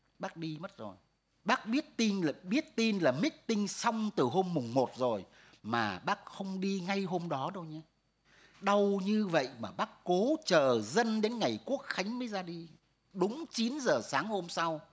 bác đi mất rồi bác biết tin là biết tin là mít tinh xong từ hôm mùng một rồi mà bác không đi ngay hôm đó đâu nhé đau như vậy mà bác cố chờ dân đến ngày quốc khánh mới ra đi đúng chín giờ sáng hôm sau